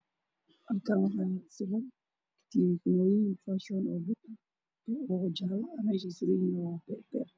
Halkaan waxaa yaalo salan oo katiinado iyo faraanti, dhago suran yihiin meesha na waa beer.